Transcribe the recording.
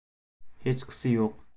hechqisi yo'q